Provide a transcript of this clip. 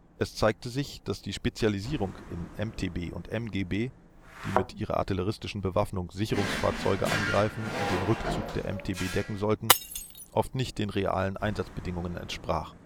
Es zeigte sich, dass die Aufteilung in MTB und MGB, die mit ihrer artilleristischen Bewaffnung Sicherungsfahrzeuge angreifen und den Rückzug der MTB decken sollten, oft nicht den realen Einsatzbedingungen entsprach